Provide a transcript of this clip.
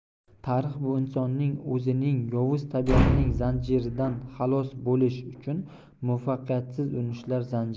tarix bu insonning o'zining yovuz tabiatining zanjiridan xalos bo'lish uchun muvaffaqiyatsiz urinishlari zanjiri